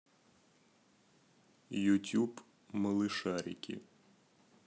ютюб малышарики